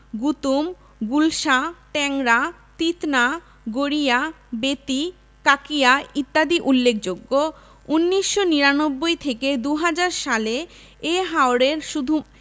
গুতুম গুলশা টেংরা তিতনা গরিয়া বেতি কাকিয়া ইত্যাদি উল্লেখযোগ্য ১৯৯৯ থেকে ২০০০ সালে এ হাওরের শুধু